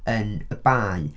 Yn y bae.